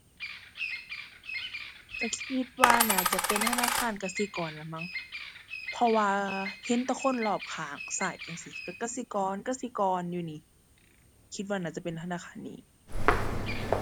ก็คิดว่าน่าจะเป็นธนาคารกสิกรละมั้ง เพราะว่าเห็นแต่คนรอบข้างก็จั่งซี้ ก็กสิกร กสิกรอยู่นี่ คิดว่าน่าจะเป็นธนาคารนี้